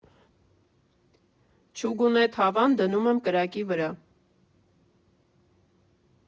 Չուգունե թավան դնում եմ կրակի վրա։